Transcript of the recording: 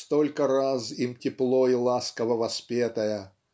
столько раз им тепло и ласково воспетая